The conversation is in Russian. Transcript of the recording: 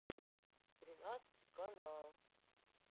тринадцатый канал